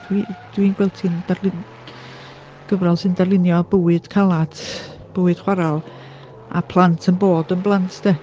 Dwi dwi'n gweld ti'n darlun gyfrol sy'n darlunio bywyd caled, bywyd chwarel, a plant yn bod yn blant de?